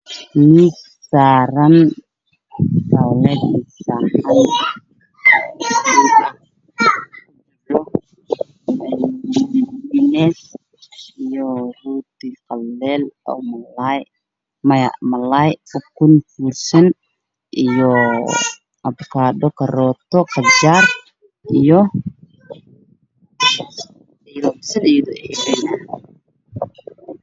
Meeshan waa miis ay saaran yihiin khudaar fara badan sida ukun kaa dooro malaay iyo qaando